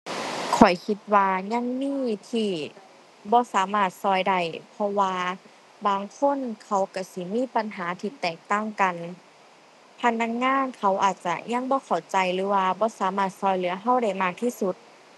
ข้อยคิดว่ายังมีที่บ่สามารถช่วยได้ เพราะว่าบางคนเขาช่วยสิมีปัญหาที่แตกต่างกัน พนักงานเขาอาจจะยังบ่เข้าใจหรือว่าบ่สามารถช่วยเหลือช่วยได้มากที่สุด